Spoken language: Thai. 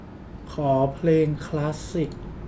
ขอเพลงคลาสสิค